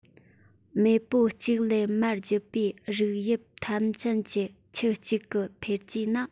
མེས པོ གཅིག ལས མར བརྒྱུད པའི རིགས དབྱིབས ཐམས ཅད ཀྱི ཁྱུ གཅིག གི འཕེལ རྒྱས ནི